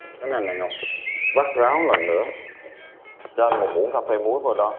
cái này nè ngọc vắt ráo lần nữa cho anh một muỗng cà phê muối vô đó